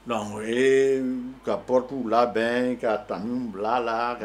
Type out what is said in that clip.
Donc o yeem ka porte w labɛɛn ka tanunw bil'a la ka